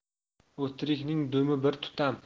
o'tirikning dumi bir tutam